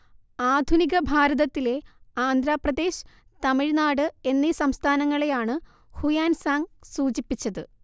ആധുനിക ഭാരതത്തിലെ ആന്ധ്രാപ്രദേശ്, തമിഴ്‌നാട് എന്നീ സംസ്ഥാനങ്ങളെയാണ് ഹുയാൻസാങ്ങ് സൂചിപ്പിച്ചത്